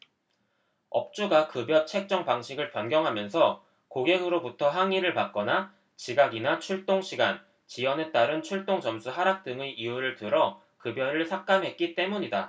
업주가 급여 책정 방식을 변경하면서 고객으로부터 항의를 받거나 지각이나 출동 시간 지연에 따른 출동점수 하락 등의 이유를 들어 급여를 삭감했기 때문이다